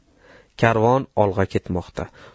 karvon olg'a ketmoqda